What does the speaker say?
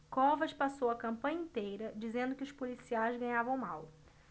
covas passou a campanha inteira dizendo que os policiais ganhavam mal